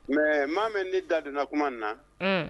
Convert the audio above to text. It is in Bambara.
Mais maa mɛ ne da donna kuma n na unnn